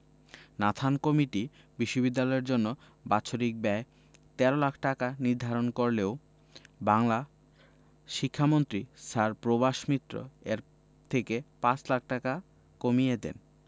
Nathan committee বিশ্ববিদ্যালয়ের জন্য বাৎসরিক ব্যয় ১৩ লাখ টাকা নির্ধারণ করলেও বাংলার শিক্ষামন্ত্রী স্যার প্রভাস মিত্র এর থেকে পাঁচ লাখ টাকা কমিয়ে দেন